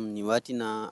Nin waati